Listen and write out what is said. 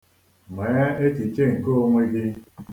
Nwee echiche nke onwe gị?